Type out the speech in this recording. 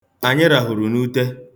Anyị rahụrụ n'ute.